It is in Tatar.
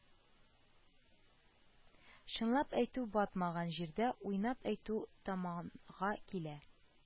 * чынлап әйтү батмаган җирдә уйнап әйтү таманга килә